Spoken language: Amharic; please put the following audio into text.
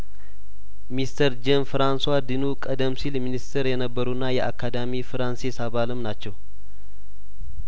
ሚስተር ጄን ፍራንሷ ዲኑ ቀደም ሲል ሚኒስትር የነበሩና የአካዳሚ ፍራንሴስ አባልም ናቸው